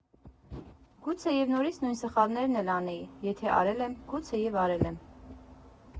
Գուցե և նորից նույն սխալներն էլ անեի, եթե արել եմ, գուցե և արել եմ։